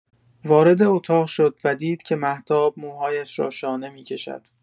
وارد اتاق شد و دید که مهتاب موهایش را شانه می‌کشد.